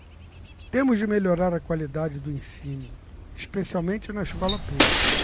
temos de melhorar a qualidade do ensino especialmente na escola pública